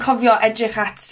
cofio edrych at